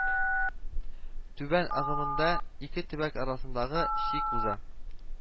Түбән агымында ике төбәк арасындагы чик уза